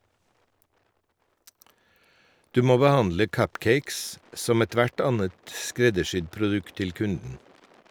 Du må behandle cupcakes som ethvert annet skreddersydd produkt til kunden.